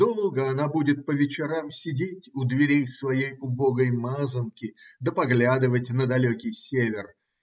Долго она будет по вечерам сидеть у дверей своей убогой мазанки да поглядывать на далекий север